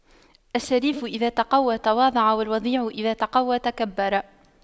الشريف إذا تَقَوَّى تواضع والوضيع إذا تَقَوَّى تكبر